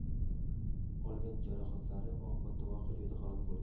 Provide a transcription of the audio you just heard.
er xotin olgan jarohatlari oqibatida voqea joyida halok bo'lgan